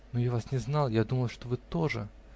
-- Но я вас не знала: я думала, что вы тоже.